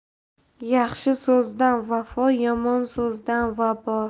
yaxshi so'zdan vafo yomon so'zdan vabo